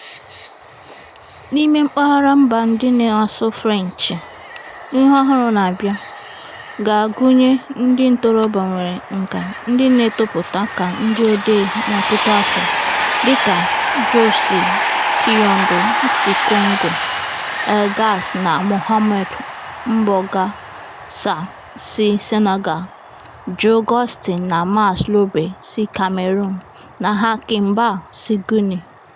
N'ime mpaghara mba ndị na-asụ French, ihe ọhụrụ na-abịa, ga-agunye ndị ntorobịa nwere nkà ndị na-etopụta ka ndị odee n'ọtụtụ afọ, dịka Jussy Kiyindou si Congo, Elgas na Mohamed Mbougar Sarr si Senegal, Jo Güstin na Max Lobé si Cameroon, na Hakim Bah si Guinea.